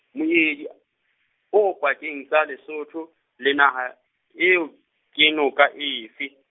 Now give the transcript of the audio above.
moedi a, o pakeng tsa Lesotho, le naha ya eo, ke noka efe?